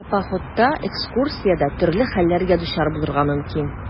Ә походта, экскурсиядә төрле хәлләргә дучар булырга мөмкин.